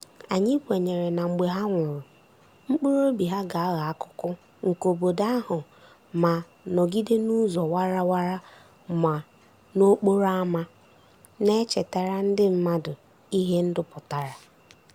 Anyị kwenyere na mgbe ha nwụrụ, mkpụrụ obi ha ga-aghọ akụkụ nke obodo ahụ ma nọgide n'ụzọ warawara ma n'okporo ámá, na-echetara ndị mmadụ ihe ndụ pụtara.